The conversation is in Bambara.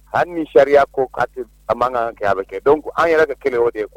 Hali ni sariya ko k'a tɛ a man kan ka kɛ a bɛ kɛ donku an yɛrɛ ka kɛ